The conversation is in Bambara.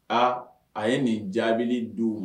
A a ye nin jaabili di